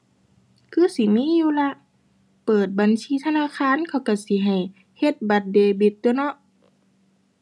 คือสิมีอยู่ล่ะ เปิดบัญชีธนาคารเขาก็สิให้เฮ็ดบัตรเดบิตตั่วเนาะ